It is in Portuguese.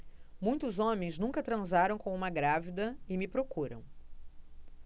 muitos homens nunca transaram com uma grávida e me procuram